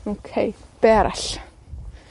Oce, be arall?